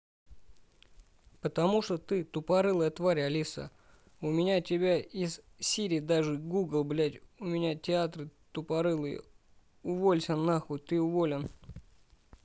потому что ты тупорылая тварь алиса умнее тебя из сири даже google блять у меня театры тупорылая уволься нахуй ты уволен